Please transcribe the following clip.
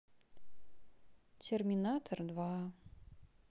терминатор два